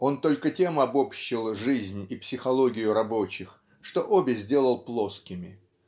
он только тем обобщил жизнь и психологию рабочих что обе сделал плоскими.